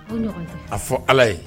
A fɔ ala ye